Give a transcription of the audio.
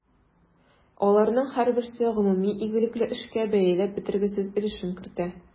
Аларның һәрберсе гомуми игелекле эшкә бәяләп бетергесез өлешен кертә.